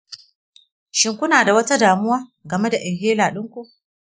shin kuna da wata damuwa game da inhaler dinku?